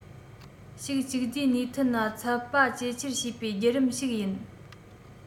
ཞིག གཅིག རྗེས གཉིས མཐུད ན ཚད པ ཇེ ཆེར བྱེད པའི བརྒྱུད རིམ ཞིག ཡིན